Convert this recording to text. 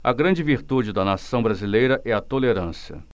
a grande virtude da nação brasileira é a tolerância